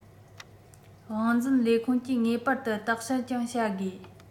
དབང འཛིན ལས ཁུངས ཀྱིས ངེས པར དུ བརྟག དཔྱད ཀྱང བྱ དགོས